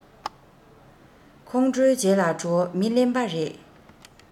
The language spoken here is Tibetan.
ཁོང ཁྲོའི རྗེས ལ འགྲོ མི གླེན པ རེད